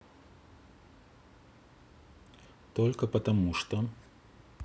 только потому что